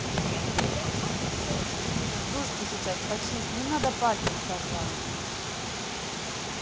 сушки сейчас почисть не надо пальцем пожалуйста